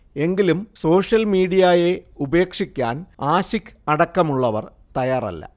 എങ്കിലും സോഷ്യൽ മീഡിയയെ ഉപേക്ഷിക്കാൻ ആശിഖ് അടക്കമുള്ളവർ തയ്യാറല്ല